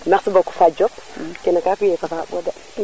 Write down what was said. merci beaucoup fatou Diop kene ka fi e fasaɓo de